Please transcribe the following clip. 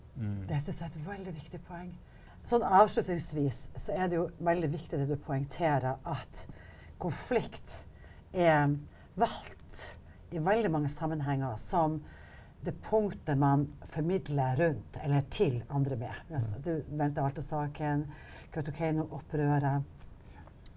det syns jeg er et veldig viktig poeng sånn avslutningsvis så er det jo veldig viktig det du poengterer at konflikt er valgt i veldig mange sammenhenger som det punktet man formidler rundt eller til andre med altså du nevnte Altasaken, Kautokeinoopprøret.